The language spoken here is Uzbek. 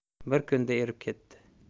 bir kunda erib ketdi